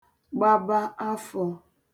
gbaba afọ̄